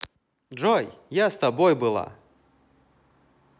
джой я с тобой была